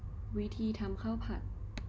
วิธีทำข้าวผัด